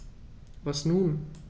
Was nun?